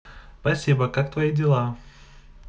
спасибо как твои дела